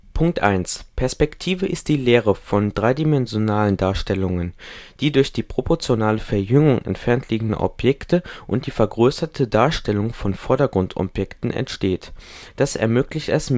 Perspektive ist die Lehre von der dreidimensionalen Darstellung, die durch die proportionale Verjüngung entfernt liegender Objekte und die vergrößerte Darstellung von Vordergrundobjekten entsteht. Das ermöglicht es